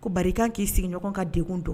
Ko bakan k'i sigiɲɔgɔn ka dekun dɔn